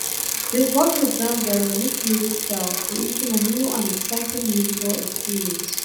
They brought with them their unique music style creating a new and exciting musical experience.